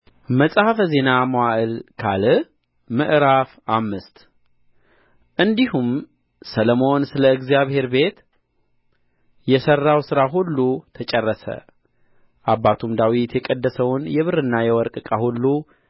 መጽሐፈ ዜና መዋዕል ካልዕ ምዕራፍ አምስት እንዲሁም ሰሎሞን ስለ እግዚአብሔር ቤት የሠራው ሥራ ሁሉ ተጨረሰ አባቱም ዳዊት የቀደሰውን የብርና የወርቅ ዕቃ ሁሉ